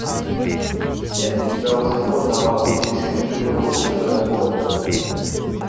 я для тебя уже год давала ты еще не придумал что это такое